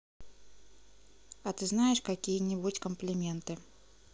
а ты знаешь какие нибудь комплименты